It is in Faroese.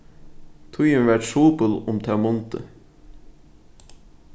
tíðin var trupul um tað mundið